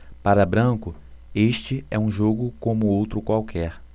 para branco este é um jogo como outro qualquer